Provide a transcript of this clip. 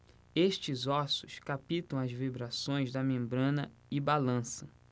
estes ossos captam as vibrações da membrana e balançam